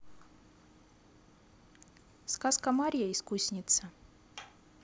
сказка марья искусница